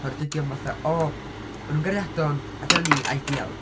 Oherwydd dydi o ddim fatha "o maen nhwn'n gariadon a dyna ni, ideal".